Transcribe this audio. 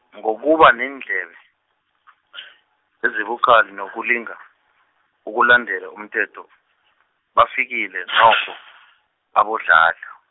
ngokuba neendlebe , ezibukhali nokulinga, ukulandela umthetho, bafikile nokho, aboDladla.